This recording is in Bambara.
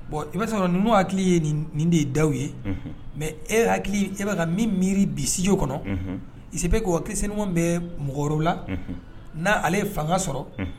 Bon i'a sɔrɔ numu hakili ye nin de ye da ye mɛ e hakili e'a min miiri bi sj kɔnɔ ip ko ki bɛ mɔgɔ la n' ale ye fanga sɔrɔ